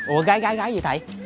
ủa gái gái gái gì thầy